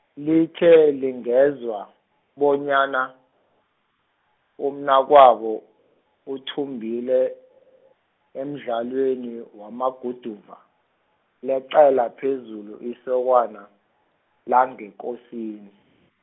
lithe lingezwa, bonyana, umnakwabo, uthumbile, emdlalweni wamaguduva, leqela phezulu isokana, langeKosini.